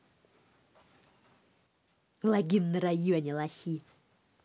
логин на районе лохи